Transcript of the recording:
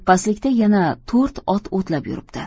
pastlikda yana to'rt ot o'tlab yuribdi